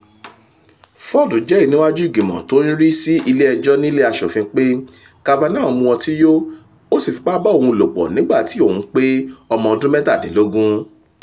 Ford jẹ́rìí níwájú ìgbìmọ̀ tó ń rí sí ilé ẹjọ́ nílé Aṣòfin pé Kavanaugh mú ọtí yó, ó sì fipá bá òun lòpọ̀ nígbà tí òun pé ọmọ ọdún mẹ́tàdínlógún.